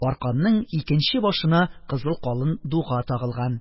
Арканның икенче башына кызыл калын дуга тагылган.